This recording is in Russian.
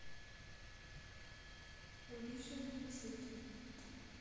обиженные цветы